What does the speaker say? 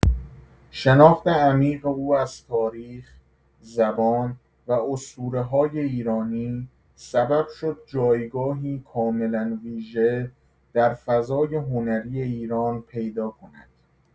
شناخت عمیق او از تاریخ، زبان و اسطوره‌های ایرانی سبب شد جایگاهی کاملا ویژه در فضای هنری ایران پیدا کند.